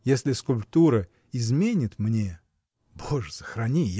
Если скульптура изменит мне (Боже сохрани!